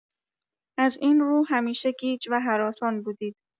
از این رو، همیشه گیج و هراسان بودید.